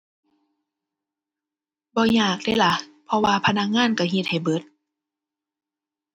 บ่ยากเดะล่ะ เพราะว่าพนักงานก็เฮ็ดให้เบิด